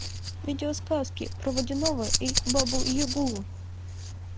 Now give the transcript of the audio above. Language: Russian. видеосказки про водяного и бабу ягу